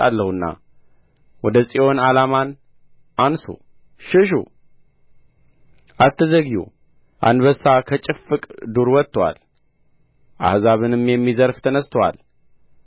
አንሡ ሽሹ አትዘግዩ አንበሳ ከጭፍቅ ዱር ወጥቶአል አሕዛብንም የሚዘርፍ ተነሥቶአል